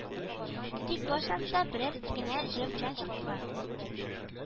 Тик барчасы да берәр генә җыр белән чыктылар